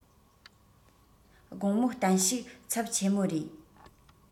དགོང མོ བསྟན བཤུག ཚབས ཆེན མོ རེ